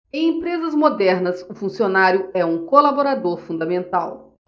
em empresas modernas o funcionário é um colaborador fundamental